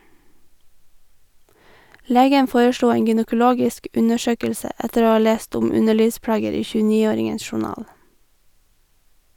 Legen foreslo en gynekologisk undersøkelse etter å ha lest om underlivsplager i 29-åringens journal.